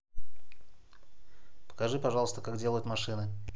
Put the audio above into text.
покажи пожалуйста как делают машины